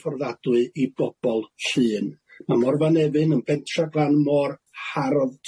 fforddadwy i bobol Llŷn a Morfa Nefyn yn pentre glan môr hardd